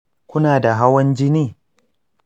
kuna da hawan jini?